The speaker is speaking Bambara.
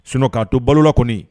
Sun'a to balola kɔni